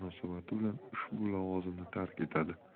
munosabati bilan ushbu lavozimni tark etadi